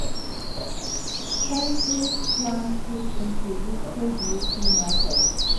Sainsbury's plans push into UK beauty market